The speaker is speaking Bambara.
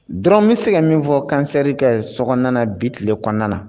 Dɔrɔn bɛ se min fɔ kansɛri ka sonan bi tile kɔnɔna na